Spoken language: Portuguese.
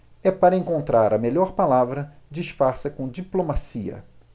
é para encontrar a melhor palavra disfarça com diplomacia